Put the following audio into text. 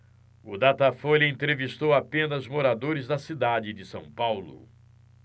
o datafolha entrevistou apenas moradores da cidade de são paulo